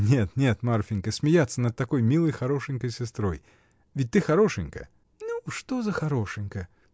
— Нет, нет, Марфинька: смеяться над такой милой, хорошенькой сестрой! Ведь ты хорошенькая? — Ну, что за хорошенькая!